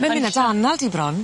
Mae'n myn' â dy anal di bron.